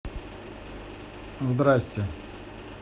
здрасьте